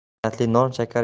mehnatli non shakar